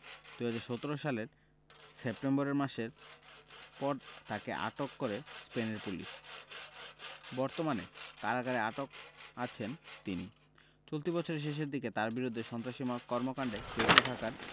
২০১৭ সালের সেপ্টেম্বর মাসের পর তাকে আটক করে স্পেনের পুলিশ বর্তমানে কারাগারে আটক আছেন তিনি চলতি বছরের শেষের দিকে তাঁর বিরুদ্ধে সন্ত্রাসী কর্মকাণ্ডে জড়িত থাকার